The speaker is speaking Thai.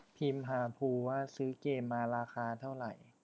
พิมหาภูว่าซื้อเกมมาราคาเท่าไหร่